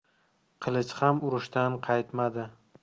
qilichi ham urushdan qaytmadi